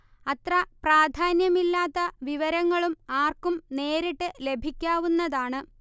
അത്ര പ്രാധാന്യമില്ലാത്ത വിവരങ്ങളും ആർക്കും നേരിട്ട് ലഭിക്കാവുന്നതാണ്